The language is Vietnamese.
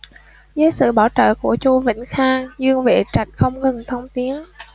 dưới sự bảo trợ của chu vĩnh khang dương vệ trạch không ngừng thăng tiến